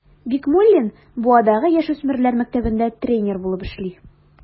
Бикмуллин Буадагы яшүсмерләр мәктәбендә тренер булып эшли.